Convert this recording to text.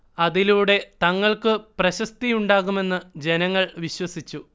അതിലൂടെ തങ്ങൾക്കു പ്രശസ്തിയുണ്ടാകുമെന്ന് ജനങ്ങൾ വിശ്വസിച്ചു